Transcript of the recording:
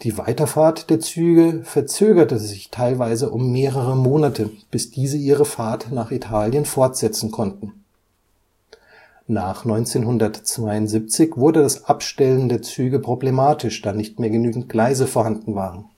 Weiterfahrt der Züge verzögerte sich teilweise um mehrere Monate, bis diese ihre Fahrt nach Italien fortsetzten konnten. Nach 1972 wurde das Abstellen der Züge problematisch, da nicht mehr genügend Gleise vorhanden waren